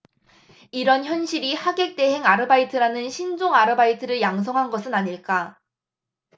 이런 현실이 하객 대행 아르바이트라는 신종 아르바이트를 양성한 것은 아닐까